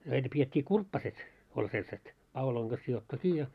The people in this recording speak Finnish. näitä pidettiin kurppaset oli sellaiset paulojen kanssa sidottu kiinni ja